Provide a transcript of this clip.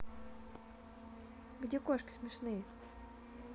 где кошки смешные